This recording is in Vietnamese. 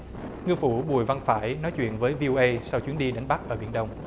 ngư phủ bùi văn phải nói chuyện với vi âu ây sau chuyến đi đánh bắt ở biển đông